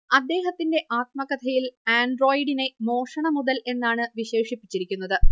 അദ്ദേഹത്തിന്റെ ആത്മകഥയിൽ ആൻഡ്രോയിഡിനെ മോഷണ മുതൽ എന്നാണ് വിശേഷിപ്പിച്ചിരിക്കുന്നത്